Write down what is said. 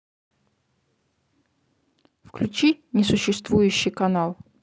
включи несуществующий канал